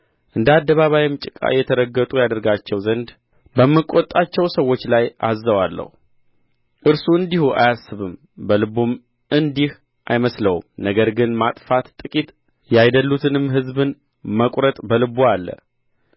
እንደ አደባባይም ጭቃ የተረገጡ ያደርጋቸው ዘንድ በምቈጣቸው ሰዎች ላይ አዝዘዋለሁ እርሱ እንዲሁ አያስብም በልቡም እንዲህ አይመስለውም ነገር ግን ማጥፋት ጥቂት ያይደሉትንም አሕዛብን መቍረጥ በልቡ አለ